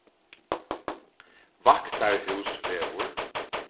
vaktarhúsvegur